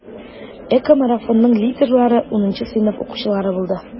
ЭКОмарафонның лидерлары 10 сыйныф укучылары булды.